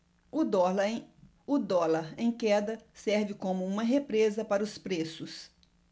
o dólar em queda serve como uma represa para os preços